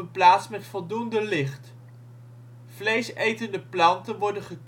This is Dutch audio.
plaats met voldoende licht. Vleesetende planten worden